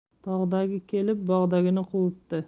tog'dagi kelib bog'dagini quvibdi